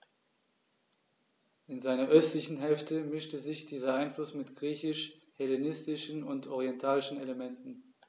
In seiner östlichen Hälfte mischte sich dieser Einfluss mit griechisch-hellenistischen und orientalischen Elementen.